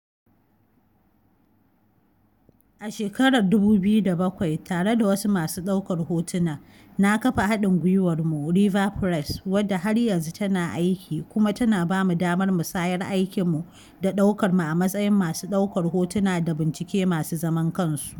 A shekarar 2007, tare da wasu masu ɗaukar hotuna, na kafa haɗin gwiwarmu, RIVA PRESS, wadda har yanzu tana aiki kuma tana ba mu damar musayar aikin mu da daukar mu a matsayin masu daukar hotuna da bincike masu zaman kansu.